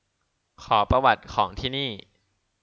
ขอประวัติของที่นี่